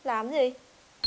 làm gì